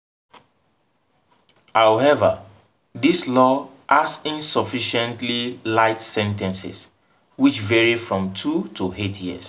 However, this law has insufficiently light sentences, which vary from two to eight years.